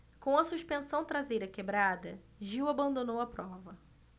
com a suspensão traseira quebrada gil abandonou a prova